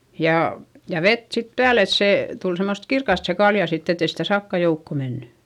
ja ja vettä sitten päälle että se tuli semmoista kirkasta se kalja sitten että ei sitä sakkaa joukkoon mennyt